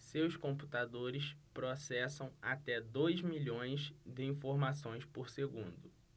seus computadores processam até dois milhões de informações por segundo